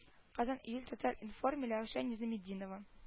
Казан июль татар-информ миләүшә низаметдинова